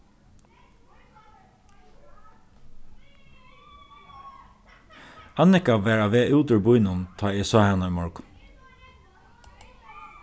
annika var á veg út úr býnum tá ið eg sá hana í morgun